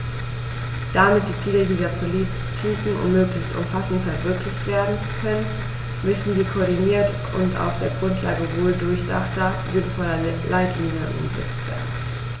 Damit die Ziele dieser Politiken möglichst umfassend verwirklicht werden können, müssen sie koordiniert und auf der Grundlage wohldurchdachter, sinnvoller Leitlinien umgesetzt werden.